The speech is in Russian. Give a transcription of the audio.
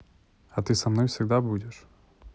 а ты со мной всегда будешь